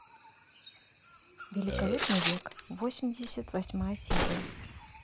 великолепный век восемьдесят восьмая серия